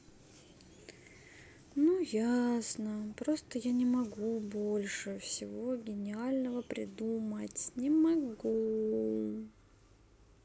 ну ясно просто я не могу больше всего гениального придумать не могу